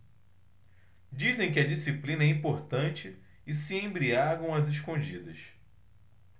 dizem que a disciplina é importante e se embriagam às escondidas